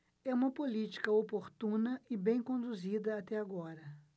é uma política oportuna e bem conduzida até agora